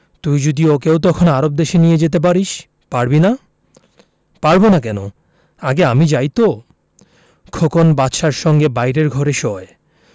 তুই যদি ওকেও তখন আরব দেশে নিয়ে যেতে পারিস পারবি না পারব না কেন আগে আমি যাই তো খোকন বাদশার সঙ্গে বাইরের ঘরে শোয়